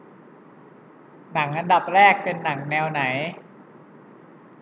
หนังอันดับแรกเป็นหนังแนวไหน